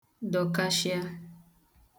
dọ̀kashịa